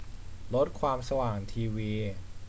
ลดความสว่างทีวี